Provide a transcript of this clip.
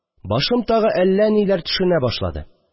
Башым тагы әллә ниләр төшенә башлады